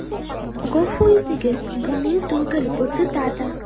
Гафу итегез, бу мин түгел, бу цитата.